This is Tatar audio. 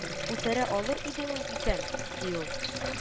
Күтәрә алыр идеме икән? – ди ул